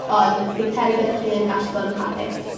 On' fi'n credu byddech chi yn gallu bod yn hapus